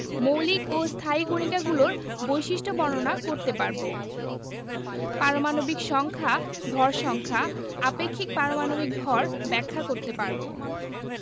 মৌলিক ও স্থায়ী কণিকাগুলোর বৈশিষ্ট্য বর্ণনা করতে পারব পারমাণবিক সংখ্যা ভর সংখ্যা আপেক্ষিক পারমাণবিক ভর ব্যাখ্যা করতে পারব